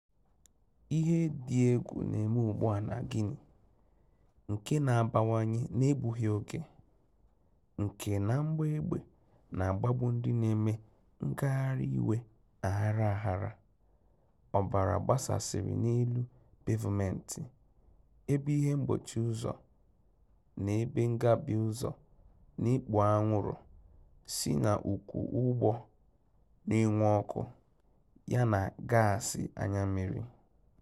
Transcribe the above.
Ihe dị egwu na-eme ugbu a na Guinea, nke na-abawanye na-egbughị oge, nke na mgbọ egbe na-agbagbu ndị na-eme ngagharị iwe aghara aghara, ọbara gbasasịrị n'elu pevumentị ebe ihe mgbochi ụzọ na ebe ngabi ụzọ na-ekpu anwụrụ si n'ụkwụ ụgbọ na-enwu ọkụ yana gaasị anya mmiri.